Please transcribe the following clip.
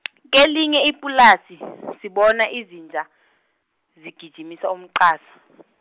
kelinye ipulasi , sibona izinja, zigijimisa umqasa .